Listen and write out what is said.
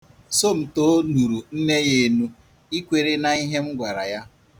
Somto nuru nne ya enu i kwere na ihe m gwara ya.